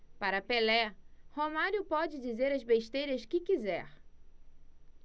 para pelé romário pode dizer as besteiras que quiser